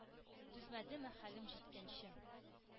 Түзмәдемме хәлем җиткәнче?